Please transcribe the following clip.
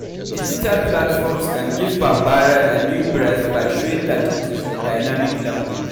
Digital platforms can give Bambara a new breath by showing that it is a dynamic language.